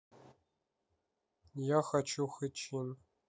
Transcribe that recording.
я хочу хычин